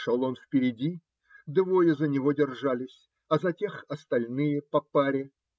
Шел он впереди, двое за него держались, а за тех остальные по паре.